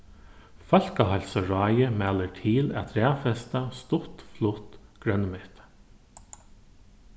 fólkaheilsuráðið mælir til at raðfesta stuttflutt grønmeti